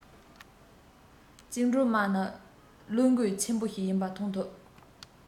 བཅིངས འགྲོལ དམག ནི བློས འགེལ ཆོག པ ཞིག ཡིན པ མཐོང ཐུབ